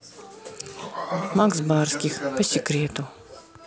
макс барских по секрету